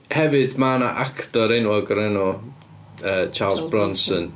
Hefyd, ma' 'na actor enwog o'r enw yy Charles Bronson.